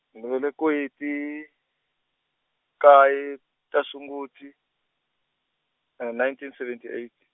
ni velekiwe hi ti, nkaye ta Sunguti, nineteen seventy eight.